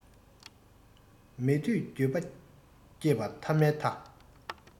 མེད དུས འགྱོད པ སྐྱེས པ ཐ མའི ཐ